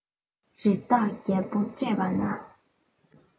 རི དྭགས རྒྱལ པོ བཀྲེས པ ན